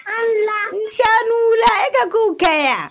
San n' wula i tɛ k'w kɛ yan